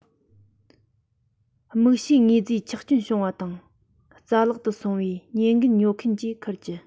དམིགས བྱའི དངོས རྫས ཆག སྐྱོན བྱུང བ དང རྩ བརླག ཏུ སོང བའི ཉེན འགན ཉོ མཁན གྱིས འཁུར རྒྱུ